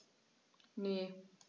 Ne.